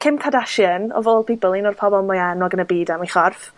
Kim Kardashian of all people, un o'r pobol mwy enwog yn y byd am ei chorff,